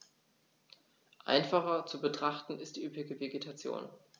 Einfacher zu betrachten ist die üppige Vegetation.